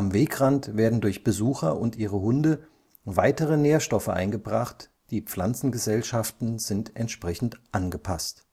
Wegrand werden durch Besucher und ihre Hunde weitere Nährstoffe eingebracht, die Pflanzengesellschaften sind entsprechend angepasst